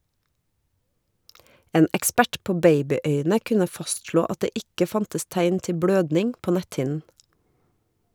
En ekspert på babyøyne kunne fastslå at det ikke fantes tegn til blødning på netthinnen.